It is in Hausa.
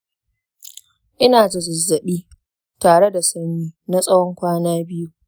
ina da zazzaɓi tare da sanyi na tsawon kwana biyu.